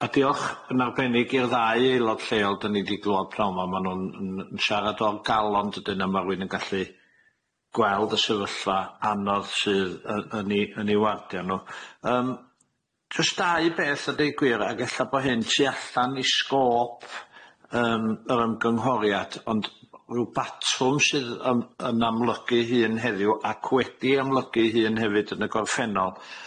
a diolch yn arbennig i'r ddau aelod lleol 'dan ni 'di glywad pnawn 'ma, ma' nhw'n yn siarad o'r galon 'dydyn a ma' rywun yn gallu gweld y sefyllfa anodd sydd yy yn ei yn ei wardia' nhw. Yym, jyst dau beth a deud gwir ag ella bo' hyn tu allan i sgôp yym yr ymgynghoriad ond ryw batwm sydd yym yn amlygu ei hun heddiw ac wedi amlygu ei hun hefyd yn y gorffennol,